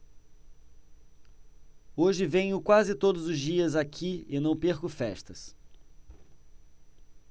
hoje venho quase todos os dias aqui e não perco festas